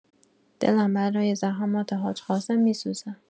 دلم برا زحمات حاج قاسم می‌سوزه